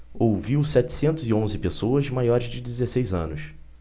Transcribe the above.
ouviu setecentos e onze pessoas maiores de dezesseis anos